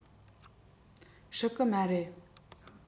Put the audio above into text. སྲིད གི མ རེད